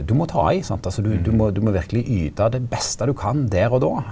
du må ta i sant altså du du må du må verkeleg yta det beste du kan der og då.